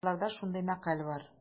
Татарларда шундый мәкаль бар.